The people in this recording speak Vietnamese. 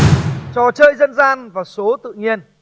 trò chơi dân gian và số tự nhiên